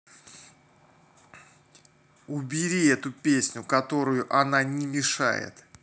убери эту песню которую она не мешает